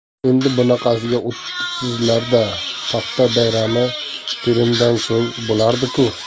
endi bunaqasiga o'tibsizlar da paxta bayrami terimdan so'ng bo'lardi ku